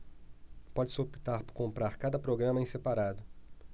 pode-se optar por comprar cada programa em separado